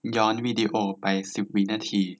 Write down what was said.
ย้อนวีดีโอไปสิบวินาที